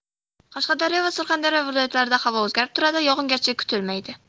qashqadaryo va surxondaryo viloyatlarida havo o'zgarib turadi yog'ingarchilik kutilmaydi